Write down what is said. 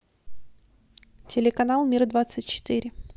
телеканал мир двадцать четыре